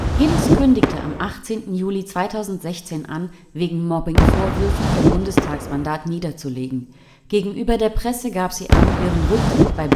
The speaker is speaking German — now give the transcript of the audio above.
Hinz kündigte am 18. Juli 2016 an, wegen Mobbingvorwürfen ihr Bundestagsmandat niederzulegen. Gegenüber der Presse gab sie an, ihren Rücktritt bei